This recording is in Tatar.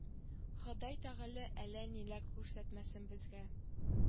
Ходай тәгалә әллә ниләр күрсәтмәсен безгә